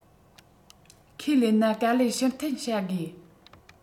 ཁས ལེན ན ག ལེར ཕྱིར འཐེན བྱ དགོས